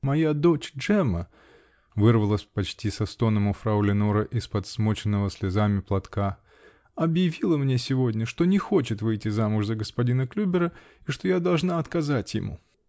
-- Моя дочь, Джемма, -- вырвалось почти со стоном у фрау Леноре из-под смоченного слезами платка, -- объявила мне сегодня, что не хочет выйти замуж за господина Клюбера и что я должна отказать ему!